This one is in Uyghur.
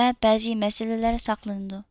ۋە بەزى مەسىلىلەر ساقلىنىدۇ